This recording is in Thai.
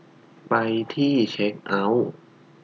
ไปที่เช็คเอ้าท์